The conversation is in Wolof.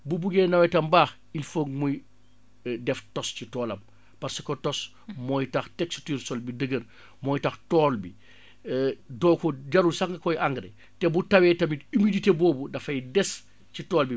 bu buggee nawetam baax il foog muy def tos toolam parce que tos mooy tax texture sol bi dëgër mooy tax tool bi doo ko jarul sax nga koy engrais te bu tawee tamit humidité boobu dafay des ci tool bi